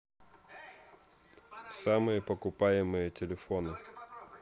самые покупаемые телефоны